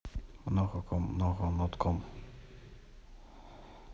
много ком много нот ком